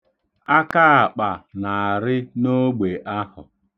Akaakpa na-arị n'ogbe ahụ.